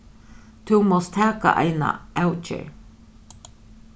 tú mást taka eina avgerð